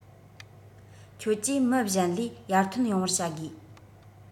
ཁྱོད ཀྱིས མི གཞན ལས ཡར ཐོན ཡོང བར བྱ དགོས